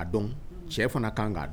Dɔn cɛ fana kan'